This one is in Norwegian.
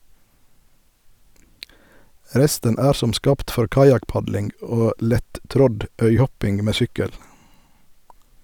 Resten er som skapt for kajakkpadling og lett-trådd øyhopping med sykkel.